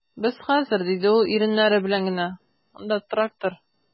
Без хәзер, - диде ул иреннәре белән генә, - анда трактор...